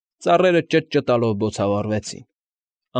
Ծառերը ճտճտալով բոցավառվեցին։